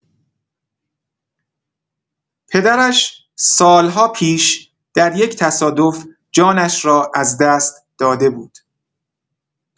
پدرش سال‌ها پیش در یک تصادف جانش را از دست داده بود.